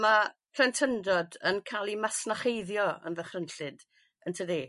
Ma' plentyndod yn ca'l 'i masnacheiddio yn ddychrynllyd yntydi?